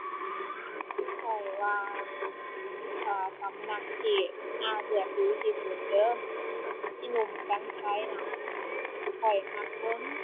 ข้อยว่า เอ่อ สำนักที่น่าเชื่อถือที่สุดเด้อ พี่หนุ่ม กรรชัยน่ะ ข้อยมักเบิ่ง